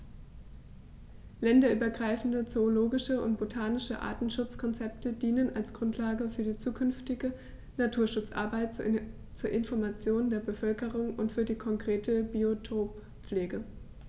Länderübergreifende zoologische und botanische Artenschutzkonzepte dienen als Grundlage für die zukünftige Naturschutzarbeit, zur Information der Bevölkerung und für die konkrete Biotoppflege.